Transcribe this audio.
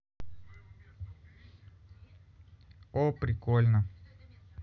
о прикольно